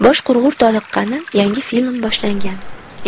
bosh qurg'ur toliqqani yangi film boshlangani